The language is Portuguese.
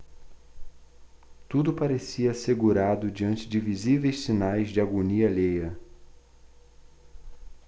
tudo parecia assegurado diante de visíveis sinais de agonia alheia